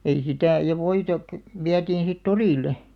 ei sitä ja voita - vietiin sitten torille